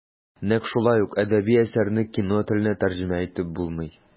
Нәкъ шулай ук әдәби әсәрне кино теленә тәрҗемә итеп булмый.